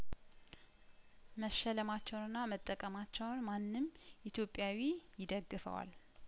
መሸለማቸውንና መጠቀማቸውን ማንም ኢትዮጵያዊ ይደግፈዋል